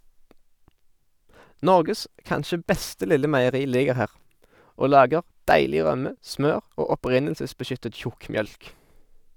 Norges kanskje beste lille meieri ligger her, og lager deilig rømme, smør og opprinnelsesbeskyttet tjukkmjølk.